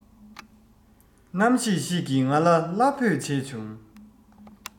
རྣམ ཤེས ཤིག གིས ང ལ བླ འབོད བྱེད བྱུང